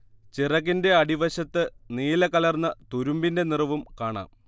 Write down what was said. ചിറകിന്റെ അടിവശത്ത് നീലകലർന്ന തുരുമ്പിന്റെ നിറവും കാണാം